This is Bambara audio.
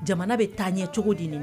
Jamana bɛ taa ɲɛ cogo di